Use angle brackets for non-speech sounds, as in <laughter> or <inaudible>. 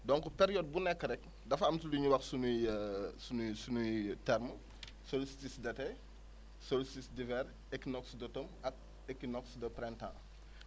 donc période bu nekk rek dafa am si lu ñuy wax suñuy <hesitation> sunuy sunuy termes <noise> solstice d' été slstice d' hivers équinox d' automne ak équinox de printemps